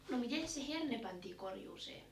no mites se herne pantiin korjuuseen